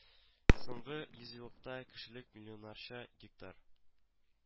Соңгы йөзьеллыкта кешелек миллионнарча гектар